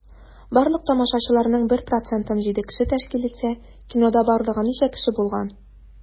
Барлык тамашачыларның 1 процентын 7 кеше тәшкил итсә, кинода барлыгы ничә кеше булган?